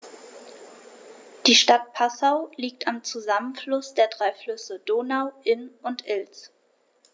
Die Stadt Passau liegt am Zusammenfluss der drei Flüsse Donau, Inn und Ilz.